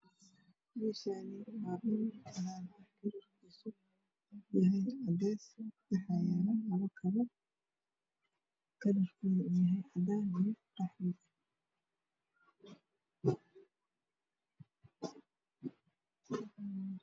Meeshaan waa meel banaan ah kalarkiisu waa cadeys waxaa yaalo labo kabo kalarkoodu waa cadaan iyo qaxwi.